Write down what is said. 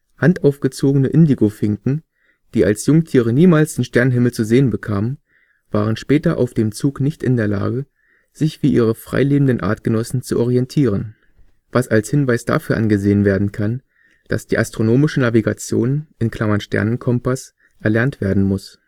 Handaufgezogene Indigofinken, die als Jungtiere niemals den Sternenhimmel zu sehen bekamen, waren später auf dem Zug nicht in der Lage, sich wie ihre frei lebenden Artgenossen zu orientieren – was als Hinweis dafür angesehen werden kann, dass die astronomische Navigation („ Sternenkompass “) erlernt werden muss